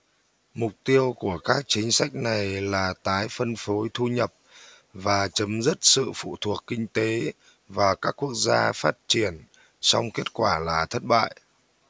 mục tiêu của các chính sách này là tái phân phối thu nhập và chấm dứt sự phụ thuộc kinh tế vào các quốc gia phát triển song kết quả là thất bại